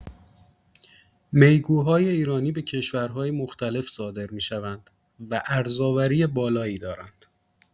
میگوهای ایرانی به کشورهای مختلف صادر می‌شوند و ارزآوری بالایی دارند.